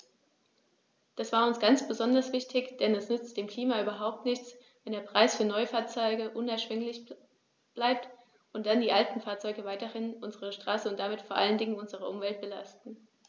Das war uns ganz besonders wichtig, denn es nützt dem Klima überhaupt nichts, wenn der Preis für Neufahrzeuge unerschwinglich bleibt und dann die alten Fahrzeuge weiterhin unsere Straßen und damit vor allen Dingen unsere Umwelt belasten.